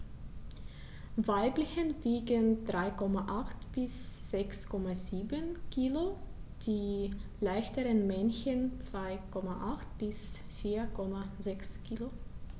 Weibchen wiegen 3,8 bis 6,7 kg, die leichteren Männchen 2,8 bis 4,6 kg.